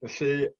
Felly